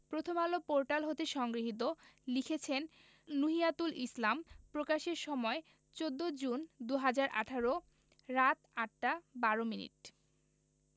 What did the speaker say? Prothom Alo portal হতে সংগৃহীত লিখেছেন নুহিয়াতুল ইসলাম প্রকাশের সময় ১৪জুন ২০১৮ রাত ৮টা ১২ মিনিট